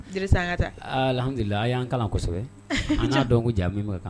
Jeli an'atɛ lahadulila a y'an kalan kosɛbɛ an n'a dɔn jan min kan